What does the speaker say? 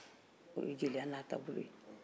o ye jeliya n'a taabolo ye